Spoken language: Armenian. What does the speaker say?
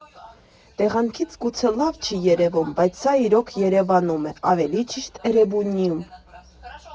Տեղանքից գուցե լավ չի երևում, բայց սա իրոք Երևանում է, ավելի ճիշտ՝ Էրեբունիում։